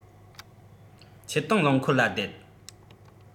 ཆེད གཏོང རླངས འཁོར ལ བསྡད